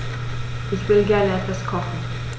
Ich will gerne etwas kochen.